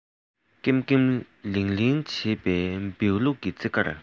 ཀེམ ཀེམ ལིང ལིང བྱེད པའི བེའུ ལུག གི རྩེད གར